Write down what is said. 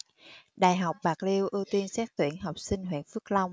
đại học bạc liêu ưu tiên xét tuyển học sinh huyện phước long